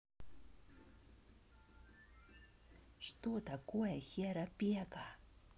что такое хера пека